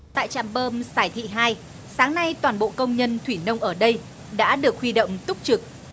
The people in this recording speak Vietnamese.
tại trạm bơm sải thị hai sáng nay toàn bộ công nhân thủy nông ở đây đã được huy động túc trực